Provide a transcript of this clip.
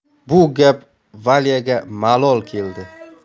bu gap valyaga malol keldi